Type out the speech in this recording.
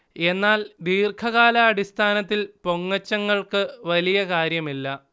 എന്നാൽ ദീർഘകാല അടിസ്ഥാനത്തിൽ പൊങ്ങച്ചങ്ങൾക്ക് വലിയ കാര്യമില്ല